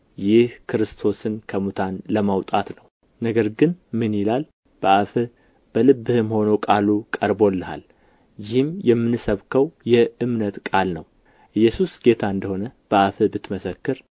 ይህ ክርስቶስን ከሙታን ለማውጣት ነው ነገር ግን ምን ይላል በአፍህ በልብህም ሆኖ ቃሉ ቀርቦልሃል ይህም የምንሰብከው የእምነት ቃል ነው ኢየሱስ ጌታ እንደ ሆነ በአፍህ ብትመሰክር